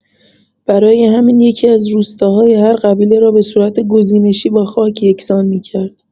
برای همین یکی‌از روستاهای هر قبیله را به‌صورت گزینشی با خاک یکسان می‌کرد.